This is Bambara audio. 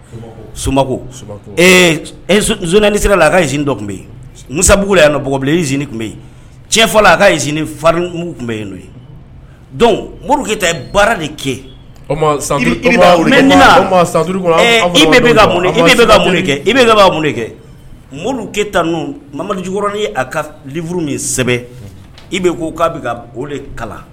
So zi sera la a ka zi dɔ tun bɛ musa yan b i zi tun bɛ cɛ la a ka zi fa tun bɛ yen don mori keyita baara de kɛ mun kɛ i'a mun kɛ mori ke tan mamadujugukɔrɔnin a ka liuru min sɛbɛ i ko k'a bɛ o de kala